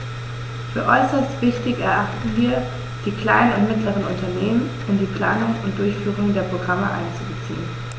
Für äußerst wichtig erachten wir, die kleinen und mittleren Unternehmen in die Planung und Durchführung der Programme einzubeziehen.